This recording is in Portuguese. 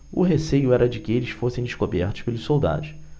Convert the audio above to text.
o receio era de que eles fossem descobertos pelos soldados